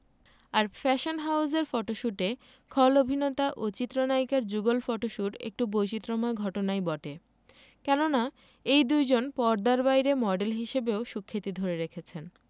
আর fashion হাউজের ফটোশুটে খল অভিনেতা ও চিত্রনায়িকার যুগল ফটোশুট একটু বৈচিত্রময় ঘটনাই বটে কেননা এই দুইজন পর্দার বাইরে মডেল হিসেবেও সুখ্যাতি ধরে রেখেছেন